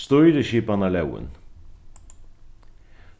stýrisskipanarlógin